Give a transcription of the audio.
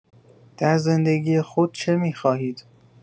در زندگی خود چه می‌خواهید؟